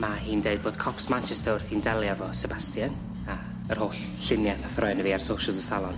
Ma' hi'n deud bod cops Manchester wrthi'n delio efo Sebastian a yr holl llunie nath roi arno fi ar socials y salon.